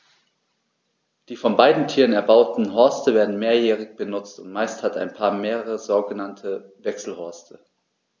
Die von beiden Tieren erbauten Horste werden mehrjährig benutzt, und meist hat ein Paar mehrere sogenannte Wechselhorste.